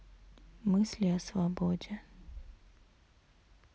мысли о свободе